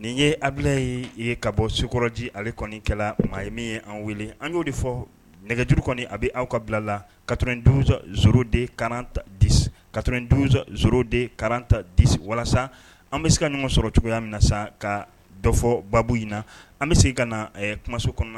Nin ye abubila ye ye ka bɔ sokɔrɔji ale kɔnikɛla maa ye min ye an wele an y'o de fɔ nɛgɛjuru kɔni a bɛ aw ka bila la katoren so de katoren son szo de karan ta di walasa an bɛ se ka ɲɔgɔn sɔrɔ cogoya min na sa ka dɔ fɔ baabu in na an bɛ se ka na a kumaso kɔnɔ na